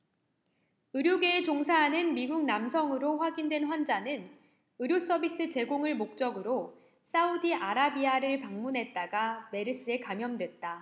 의료계에 종사하는 미국 남성으로 확인된 환자는 의료서비스 제공을 목적으로 사우디아라비아를 방문했다가 메르스에 감염됐다